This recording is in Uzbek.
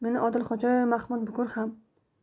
meni odilxo'jayu mahmud bukur ham